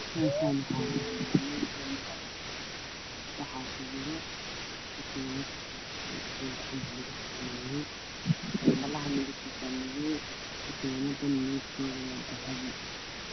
Meeshaan waxaa yaalo boonbalo waxaa kujiro katiin oo ah mida gacanta lugu xiranayey, boonbaluhu waa madow katiinadu waa dahabi.